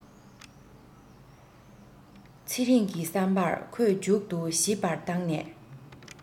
ཚེ རིང གི བསམ པར ཁོས མཇུག ཏུ ཞིབ པར བཏང ནས